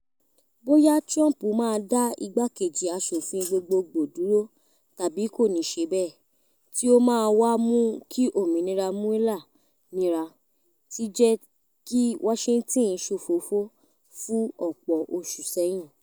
Bóyá Trump máa dá igbákejì àṣòfin gbogbogbò dúró tàbí kò ní ṣe bẹ́ẹ̀, tí ó máa wá mú kí òmínira Mueller níra, ti jẹ́ kí Washington ṣòfófo fú ọ̀pọ̀ oṣù ṣẹ́yìn.